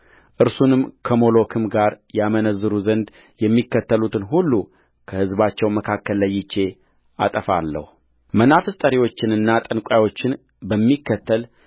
እርሱንም ከሞሎክም ጋር ያመነዝሩ ዘንድ የሚከተሉትን ሁሉ ከሕዝባቸው መካከል ለይቼ አጠፋለሁመናፍስት ጠሪዎችንና ጠንቋዮችንም በሚከተል